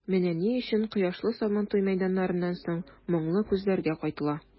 Менә ни өчен кояшлы Сабантуй мәйданнарыннан соң моңлы күзләргә кайтыла.